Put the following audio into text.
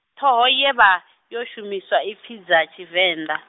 ṱhoho ye vha, yo shumiswa i pfi dza Tshivenḓa.